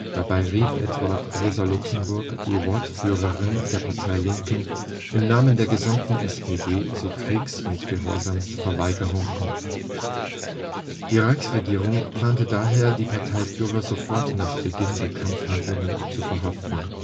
Dabei rief etwa Rosa Luxemburg, die Wortführerin der Parteilinken, im Namen der gesamten SPD zu Kriegs - und Gehorsamsverweigerung auf. Die Reichsregierung plante daher, die Parteiführer sofort nach Beginn der Kampfhandlungen zu verhaften